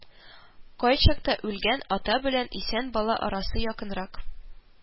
* кайчакта үлгән ата белән исән бала арасы якынрак